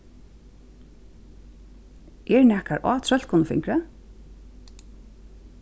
er nakar á trøllkonufingri